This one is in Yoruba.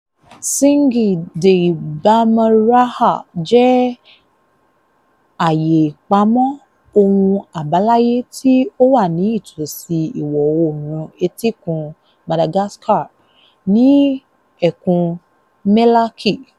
Tsingy de Bemaraha jẹ́ àyè ìpamọ́ ohun àbáláyé tí ó wà ní ìtòsí ìwọ̀-oòrùn etíkun Madagascar ní Ẹkùn Melaky.